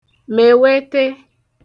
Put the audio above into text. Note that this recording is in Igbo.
mèwete